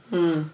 Ia.